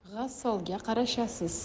g'assolga qarashasiz